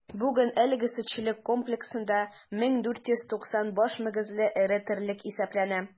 Бүген әлеге сөтчелек комплексында 1490 баш мөгезле эре терлек исәпләнә.